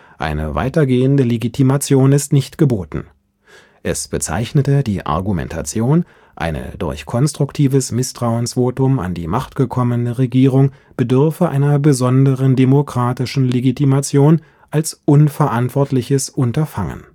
Eine weitergehende Legitimation ist nicht geboten. Es bezeichnete die Argumentation, eine durch konstruktives Misstrauensvotum an die Macht gekommene Regierung bedürfe einer besonderen demokratischen Legitimation, als „ unverantwortliches Unterfangen